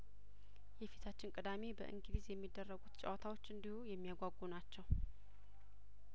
የፊታችን ቅዳሜ በእንግሊዝ የሚደረጉት ጨዋታዎች እንዲሁ የሚያጓጉ ናቸው